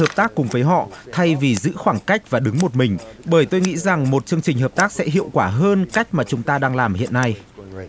hợp tác cùng với họ thay vì giữ khoảng cách và đứng một mình bởi tôi nghĩ rằng một chương trình hợp tác sẽ hiệu quả hơn cách mà chúng ta đang làm hiện nay